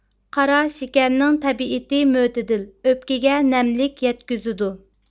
قاراشېكەرنىڭ تەبىئىتى مۆتىدىل ئۆپكىگە نەملىك يەتكۈزىدۇ